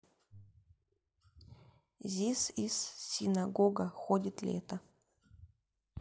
this is синагога ходит лето